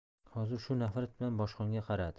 hozir shu nafrat bilan boshqonga qaradi